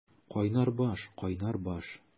Кайнар баш, кайнар баш!